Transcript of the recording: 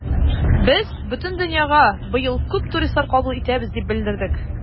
Без бөтен дөньяга быел күп туристлар кабул итәбез дип белдердек.